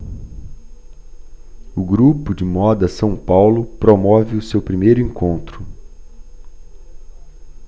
o grupo de moda são paulo promove o seu primeiro encontro